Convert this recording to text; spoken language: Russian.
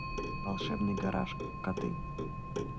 волшебный гараж коты